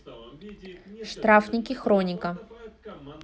штрафники хроника